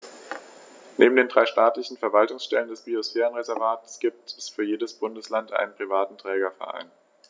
Neben den drei staatlichen Verwaltungsstellen des Biosphärenreservates gibt es für jedes Bundesland einen privaten Trägerverein.